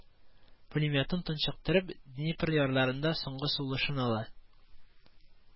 Пулеметын тончыктырып, днепр ярларында соңгы сулышын ала